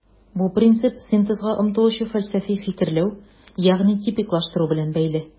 Бу принцип синтезга омтылучы фәлсәфи фикерләү, ягъни типиклаштыру белән бәйле.